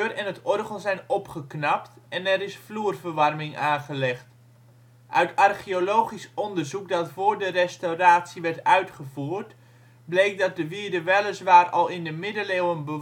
en het orgel zijn opgeknapt en er is vloerverwarming aangelegd. Uit archeologisch onderzoek dat voor de restauratie werd uitgevoerd, bleek dat de wierde weliswaar al in de middeleeuwen